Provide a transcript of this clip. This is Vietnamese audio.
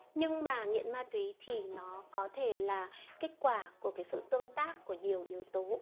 nhưng mà nghiện ma túy thì nó có thể là sự tương tác của nhiều yếu tố